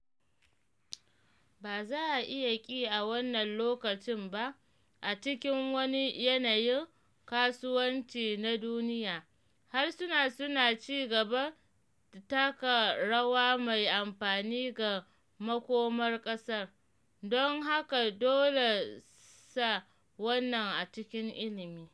Ba za a iya ki a wannan lokacin ba, a cikin wani yanayin kasuwanci na duniya, harsuna suna ci gaba taka rawa mai amfani ga makomar kasar, don haka dole sa wannan a cikin ilmi.